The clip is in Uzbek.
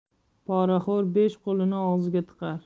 poraxo'r besh qo'lini og'ziga tiqar